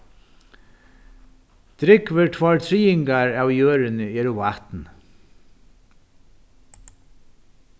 drúgvir tveir triðingar av jørðini eru vatn